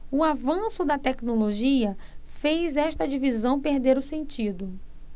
o avanço da tecnologia fez esta divisão perder o sentido